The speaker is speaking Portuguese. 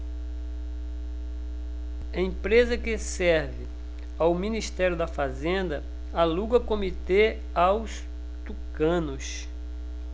empresa que serve ao ministério da fazenda aluga comitê aos tucanos